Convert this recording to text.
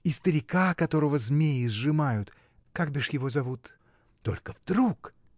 И старика, которого змеи сжимают. как бишь его зовут. Только вдруг!.